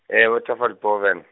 e- Waterval Boven.